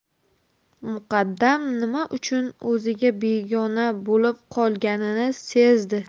muqaddam nima uchun o'ziga begona bo'lib qolganini sezdi